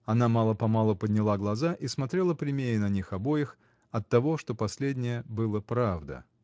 Она мало-помалу подняла глаза и смотрела прямее на них обоих, оттого что последнее было правда.